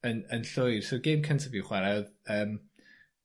yn yn llwyr. So gêm cynta fi'n chware odd yym